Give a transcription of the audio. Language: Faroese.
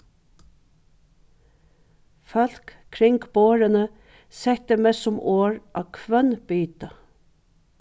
fólk kring borðini settu mestsum orð á hvønn bita